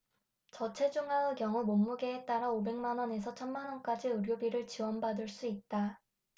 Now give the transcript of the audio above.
저체중아의 경우 몸무게에 따라 오백 만원에서 천 만원까지 의료비를 지원받을 수 있다